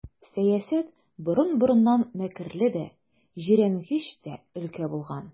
Сәясәт борын-борыннан мәкерле дә, җирәнгеч тә өлкә булган.